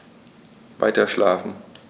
Weiterschlafen.